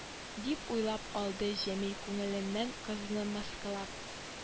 Дип уйлап алды җәмил күңеленнән кызны мыскыллап